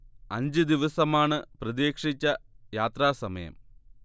അഞ്ച് ദിവസമാണ് പ്രതീക്ഷിക്കുന്ന യാത്രാസമയം